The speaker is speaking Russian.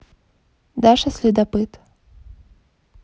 даша следопыт